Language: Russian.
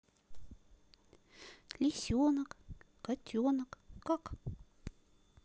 лисенок котенок как